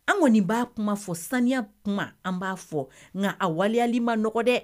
An kɔni nin b'a kuma fɔ saniya kuma an b'a fɔ nka a waliyali ma nɔgɔn dɛ